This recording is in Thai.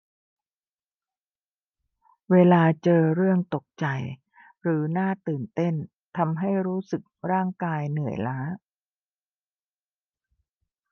เวลาเจอเรื่องตกใจหรือน่าตื่นเต้นทำให้รู้สึกร่างกายเหนื่อยล้า